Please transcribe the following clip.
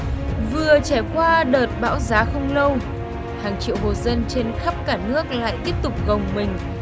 vừa trải qua đợt bão giá không lâu hàng triệu hộ dân trên khắp cả nước lại tiếp tục gồng mình